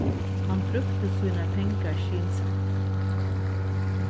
hann brúkti sínar pengar skynsamt